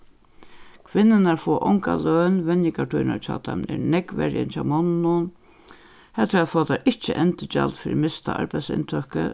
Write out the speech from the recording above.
kvinnurnar fáa onga løn venjingartíðirnar hjá teimum eru nógv verri enn hjá monnunum harafturat fáa tær ikki endurgjald fyri mista arbeiðsinntøku